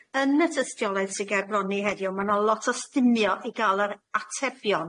yn y tystioleth sydd ger bron ni heddiw, ma' 'na lot o stumio i ga'l yr atebion